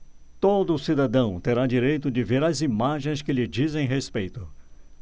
todo cidadão terá direito de ver as imagens que lhe dizem respeito